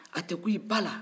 a tɛ kun i ba la